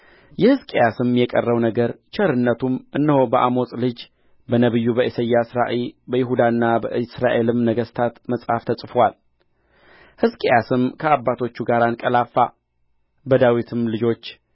የሕዝቅያስም የቀረው ነገር ቸርነቱም እነሆ በአሞጽ ልጅ በነቢዩ በኢሳይያስ ራእይ በይሁዳና በእስራኤልም ነገሥታት መጽሐፍ ተጽፎአል ሕዝቅያስም ከአባቶቹ ጋር አንቀላፋ በዳዊትም ልጆች